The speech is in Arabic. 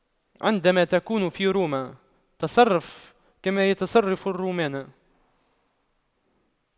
عندما تكون في روما تصرف كما يتصرف الرومان